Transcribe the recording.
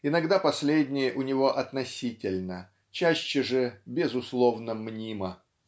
Иногда последнее у него относительно, чаще же безусловно-мнимо.